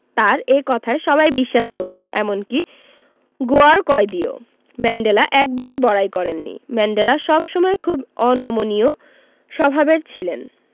তাঁর এ কথায় সবাই বিশ্বাস করল এমনকি গোঁয়ার কয়েদিও ম্যান্ডেলা একবারও বড়াই করেননি ম্যান্ডেলা সব সময় খুব অনমনীয় স্বভাবের ছিলেন